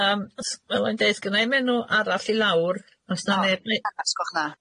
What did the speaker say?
Yym s- wel o'n i'n deu' sgynnai'm enw arall i lawr 'o's 'na neb...